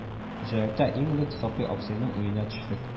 Җаекта иң элек Сапый абзыйның өенә төштек